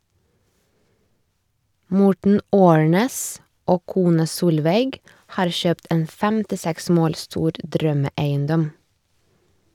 Morten Aarnes og kona Solveig har kjøpt en 56 mål stor drømmeeiendom.